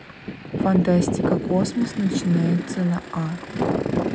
фантастика космос начинается на а